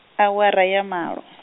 awara ya malo.